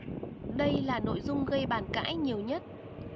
đây là nội dung gây bàn cãi nhiều nhất